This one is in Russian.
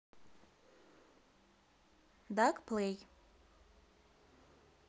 dakplay